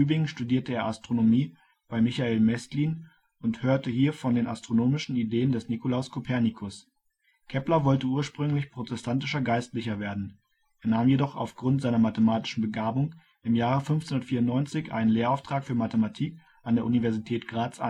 In Tübingen studierte er Astronomie bei Michael Mästlin und hörte hier von den astronomischen Ideen des Nikolaus Kopernikus. Kepler wollte ursprünglich protestantischer Geistlicher werden, er nahm jedoch auf Grund seiner mathematischen Begabung im Jahre 1594 einen Lehrauftrag für Mathematik an der Universität Graz an